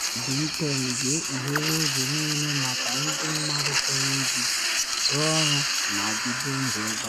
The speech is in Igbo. Britain ga-ekpughere oge niile maka ndị mmadụ chọrọ ibi, rụọ ọrụ ma bido ndụ ebe a.